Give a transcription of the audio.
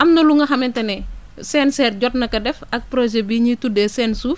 am na lu nga xamante ne CNCR jot na ko def ak projet bii ñuy tuddee seen suuf